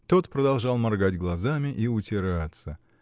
Тот продолжал моргать глазами и утираться.